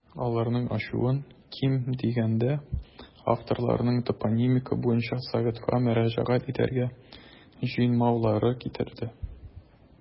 Аларның ачуын, ким дигәндә, авторларның топонимика буенча советка мөрәҗәгать итәргә җыенмаулары китерде.